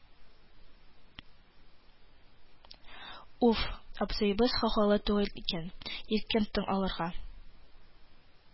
Уф, абзыебыз һавалы түгел икән, иркен тын алырга